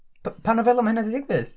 P- pa nofela mae hynna 'di digwydd?